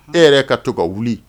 E yɛrɛ ka to ka wuli